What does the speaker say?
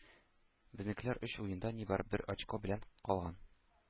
Безнекеләр өч уенда нибары бер очко белән калган.